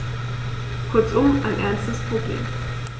Kurzum, ein ernstes Problem.